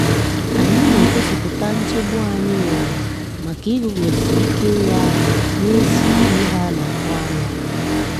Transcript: Anyị na-egosipụta nchegbu anyị nwere maka igụzọsi ike ya n'ezi ihe a na-ahụ anya.